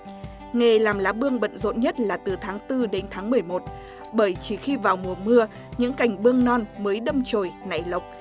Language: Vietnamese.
nghề làm lá bương bận rộn nhất là từ tháng tư đến tháng mười một bởi chỉ khi vào mùa mưa những cảnh bương non mới đâm chồi nảy lộc